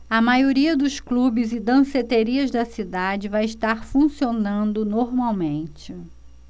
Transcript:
a maioria dos clubes e danceterias da cidade vai estar funcionando normalmente